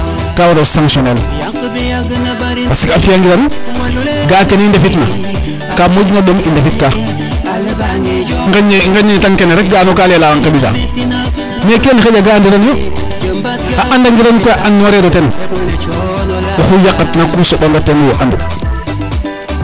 ka waro sanction ne el parce que a fiya ngiran ga a kene i ndefit na ka moƴ na ɗom i ndefitka ŋeñe tankene rek ga ano ka lela laŋ ke mbisa mais kene xaƴa ka andi ran noyo a andangiran koy a an norel o ten oxu yaqat na ku soɓonga ten wo andu